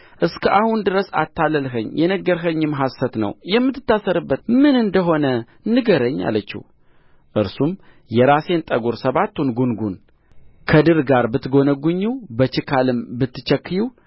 እስከ አሁን ድረስ አታለልኸኝ የነገርኸኝም ሐሰት ነው የምትታሰርበት ምን እንደ ሆነ ንገረኝ አለችው እርሱም የራሴን ጠጕር ሰባቱን ጕንጕን ከድር ጋር ብትጐነጕኚው በችካልም ብትቸክዪው